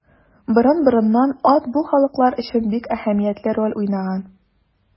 Борын-борыннан ат бу халыклар өчен бик әһәмиятле роль уйнаган.